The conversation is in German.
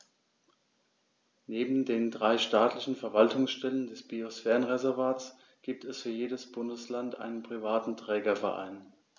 Neben den drei staatlichen Verwaltungsstellen des Biosphärenreservates gibt es für jedes Bundesland einen privaten Trägerverein.